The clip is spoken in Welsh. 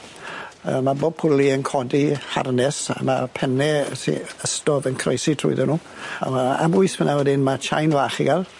Yy ma' bob pwli yn codi harness a ma' penne sy ystod yn croesi trwyddo nw a ma' am bwys fan 'na wedyn ma' tsiaen fach i ga'l